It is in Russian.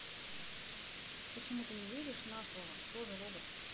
почему ты не веришь на слово тоже робот